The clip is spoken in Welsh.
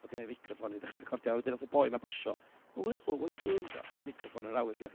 oedd gynna i feicroffon i ddechrau recordio. A wedyn wnaeth y boi 'ma basio, 'oh hello, what are you doing?'' tibod meicroffon yn yr awyr gynna i